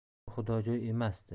u xudojo'y emasdi